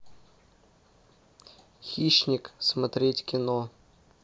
хищник смотреть кино